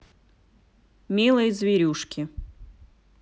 милые зверюшки